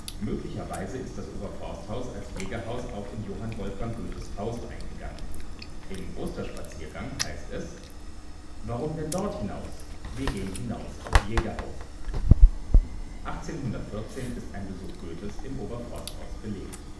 Möglicherweise ist das Oberforsthaus als Jägerhaus auch in Johann Wolfgang Goethes Faust eingegangen. Im Osterspaziergang heißt es: Warum denn dort hinaus? Wir gehn hinaus aufs Jägerhaus. 1814 ist ein Besuch Goethes im Oberforsthaus belegt